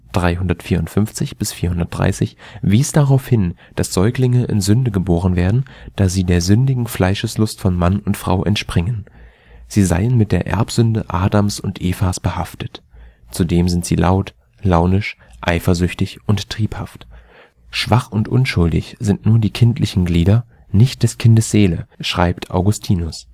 354 – 430) wies darauf hin, dass Säuglinge in Sünde geboren werden, da sie der sündigen Fleischeslust von Mann und Frau entspringen. Sie seien mit der Erbsünde Adams und Evas behaftet. Zudem sind sie laut, launisch, eifersüchtig und triebhaft. „ Schwach und unschuldig sind nur die kindlichen Glieder, nicht des Kindes Seele “, schreibt Augustinus